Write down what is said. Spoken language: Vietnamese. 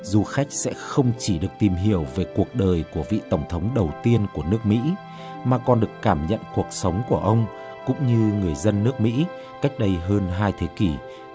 du khách sẽ không chỉ được tìm hiểu về cuộc đời của vị tổng thống đầu tiên của nước mỹ mà còn được cảm nhận cuộc sống của ông cũng như người dân nước mỹ cách đây hơn hai thế kỷ